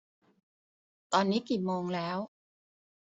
ตอนนี้กี่โมงแล้ว